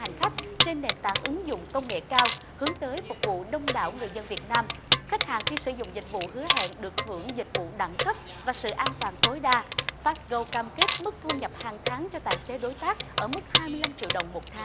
hành khách trên nền tảng ứng dụng công nghệ cao hướng tới phục vụ đông đảo người dân việt nam khách hàng khi sử dụng dịch vụ hứa hẹn được hưởng dịch vụ đẳng cấp và sự an toàn tối đa phát gâu cam kết mức thu nhập hàng tháng cho tài xế đối tác ở mức hai mươi lăm triệu đồng một tháng